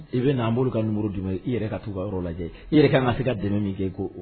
I bɛ'an bolo ka numu jumɛn i yɛrɛ ka taa ka yɔrɔ lajɛ i yɛrɛ ka kan ka se ka dɛmɛ min kɛ ko